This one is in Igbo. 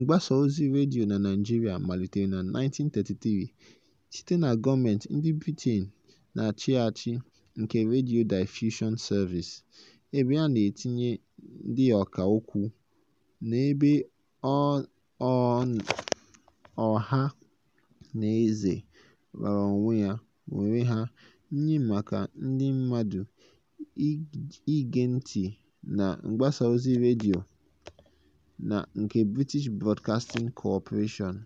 Mgbasa ozi redio na Naịjirịa malitere na 1933 site na gọọmentị ndị Britain na-achị achị nke Radio Diffusion Service (RDS), ebe a na-etinye ndị ọkà okwu na ebe ọha na eze raara onwe ha nye maka ndị mmadụ ige ntị na mgbasa ozi redio nke British Broadcasting Corporation.